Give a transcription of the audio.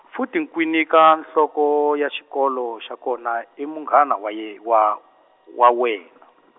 futhi Nkwinika nhloko ya xikolo xa kona i munghana wa ye wa, wa wena.